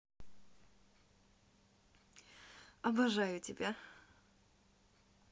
обожаю тебя